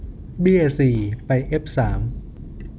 เบี้ยสี่ไปเอฟสาม